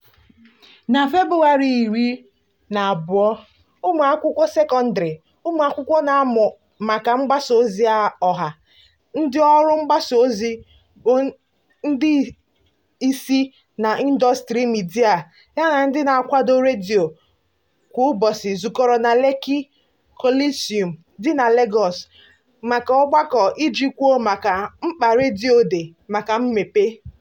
Na Febụwarị 12, ụmụ akwụkwọ sekọndrị, ụmụakwụkwọ na-amụ maka mgbasa ozi ọha, ndị ọrụ mgbasa ozi bụ ndị isi na ndọstrị midịa yana ndị na-akwado redio kwa ụbọchị zukọrọ na Lekki Coliseum dị na Lagos maka ogbako iji kwuo maka mkpa redio dị maka mmepe.